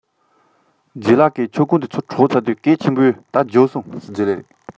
ལྗད ལགས ཀྱིས ཕྱུར སྐོམ དེ ཚུར འཕྲོག ནས སྐད ཤུགས ཆེན པོས རྒྱུགས ཟེར